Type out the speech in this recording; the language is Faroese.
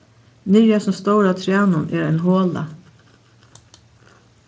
niðri í hasum stóra trænum er ein hola